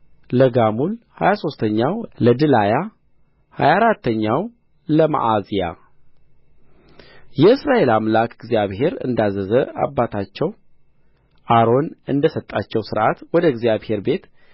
ለጋሙል ሀያ ሦስተኛው ለድላያ ሀያ አራተኛው ለመዓዝያ የእስራኤል አምላክ እግዚአብሔር እንዳዘዘ አባታቸው አሮን እንደ ሰጣቸው ሥርዓት ወደ እግዚአብሔር ቤት